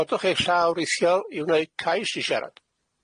Codwch eich llaw riithiol i wneud cais i siarad.